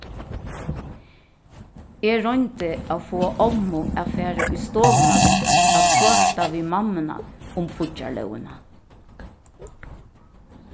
eg royndi at fáa ommu at fara í stovuna at práta við mammuna um fíggjarlógina